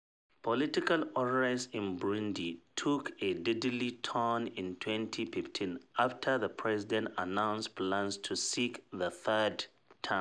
...Political unrest in Burundi took a deadly turn in 2015 after the president announced plans to seek a third term.